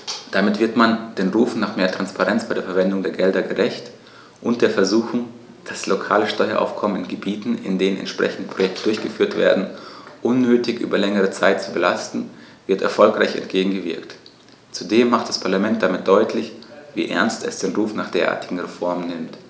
Damit wird man den Rufen nach mehr Transparenz bei der Verwendung der Gelder gerecht, und der Versuchung, das lokale Steueraufkommen in Gebieten, in denen entsprechende Projekte durchgeführt werden, unnötig über längere Zeit zu belasten, wird erfolgreich entgegengewirkt. Zudem macht das Parlament damit deutlich, wie ernst es den Ruf nach derartigen Reformen nimmt.